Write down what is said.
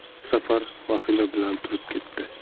bu safar vahima bilan turib ketdi